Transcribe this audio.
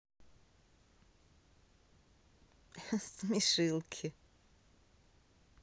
смешилки